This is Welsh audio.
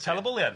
Tal Ebolion.